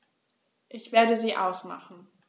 Ich werde sie ausmachen.